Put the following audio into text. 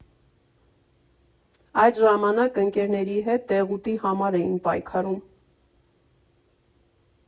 Այդ ժամանակ ընկերների հետ Թեղուտի համար էին պայքարում։